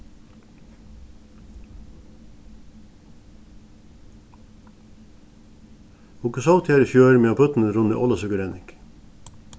okur sótu har í fjør meðan børnini runnu ólavsøkurenning